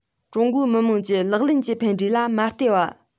ཀྲུང གོའི མི དམངས ཀྱི ལག ལེན གྱི ཕན འབྲས ལ མ བལྟས བ